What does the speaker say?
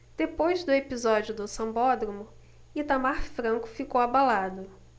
depois do episódio do sambódromo itamar franco ficou abalado